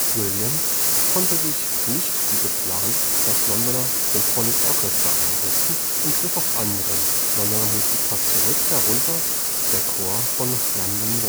Williams konnte dafür nicht wie geplant das London Symphony Orchestra einsetzen und griff auf andere Londoner Musiker zurück, darunter der Chor von London Voices